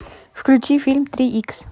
включи фильм три икс